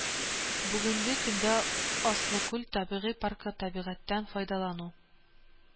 Бүгенге көндә Аслыкүл табигый паркы Табигатьтән файдалану